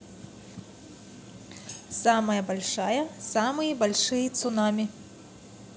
самая большая самые большие цунами